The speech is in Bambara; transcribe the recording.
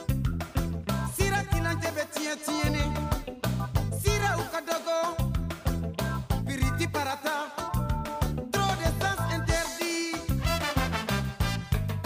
Sira kelentigɛ bɛ tiɲɛɲɛn cilen sira u ka biti bara don ta tɛ se